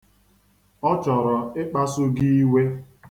Ọ chọrọ ịkpasu gị iwe.